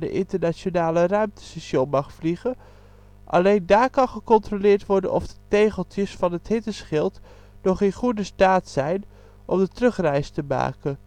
internationale ruimtestation mag vliegen. Alleen daar kan gecontroleerd worden of de tegeltjes van het hitteschild nog in goede staat zijn om de terugreis te maken